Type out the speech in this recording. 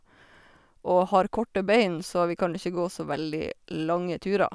Og har korte bein, så vi kan ikke gå så veldig lange turer.